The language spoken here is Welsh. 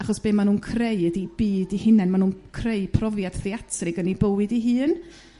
achos be' ma'n nhw'n creu ydi byd 'u hunen ma' nhw'n creu profiad theatrig yn 'u bywyd 'u hun